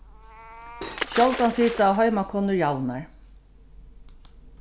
sjáldan sita heimakonur javnar